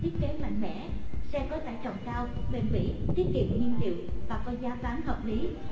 được thiết kế mạnh mẽ xe có tải trọng cao bền bỉ tiết kiệm nhiên liệu và có giá bán hợp lý